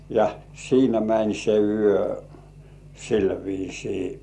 ja siinä meni se yö sillä viisiin